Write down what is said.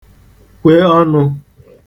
kwe ọnụ̄